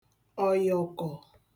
ọ̀yọ̀kọ̀